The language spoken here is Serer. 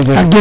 jerejef